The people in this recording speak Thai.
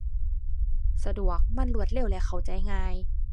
สะดวก มันรวดเร็วและเข้าใจง่าย